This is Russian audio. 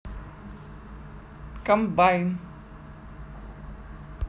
комбайн